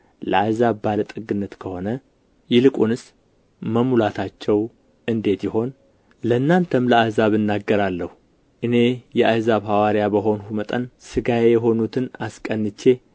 ለአሕዛብ ባለ ጠግነት ከሆነ ይልቁንስ መሙላታቸው እንዴት ይሆን ለእናንተም ለአሕዛብ እናገራለሁ እኔ የአሕዛብ ሐዋርያ በሆንሁ መጠን ሥጋዬ የሆኑትን አስቀንቼ